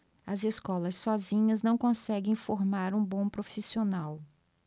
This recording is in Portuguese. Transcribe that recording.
as escolas sozinhas não conseguem formar um bom profissional